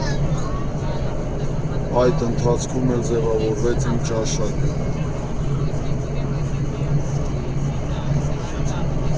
Այդ ընթացքում էլ ձևավորվեց իմ ճաշակը։